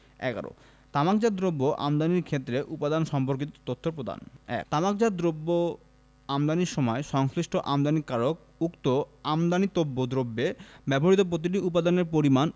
১১ তামাকজাত দ্রব্য আমদানির ক্ষেত্রে উপাদান সম্পর্কিত তথ্য প্রদানঃ ১ তামাকজাত দ্রব্য আমদানির সময় সংশ্লিষ্ট আমদানিকারক উক্ত আমদানিতব্য দ্রব্যে ব্যবহৃত প্রতিটি উপাদানের পরিমাণ